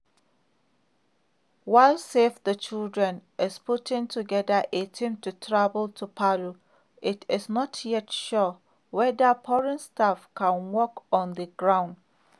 While Save the Children is putting together a team to travel to Palu, it is not yet sure whether foreign staff can work on the ground.